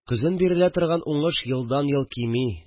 Көзен бирелә торган уңыш елдан-ел кими